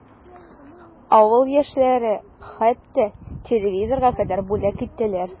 Авыл яшьләре хәтта телевизорга кадәр бүләк иттеләр.